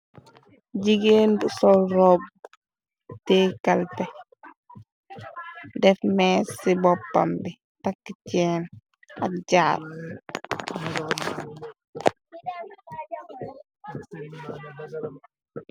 Jigéen bu sol rob tekalpe def mees ci boppam bi takki ceen ak jaar amgoom.